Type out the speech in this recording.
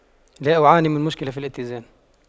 لا أعاني من مشكلة في الاتزان